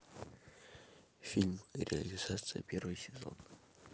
фильм реализация первый сезон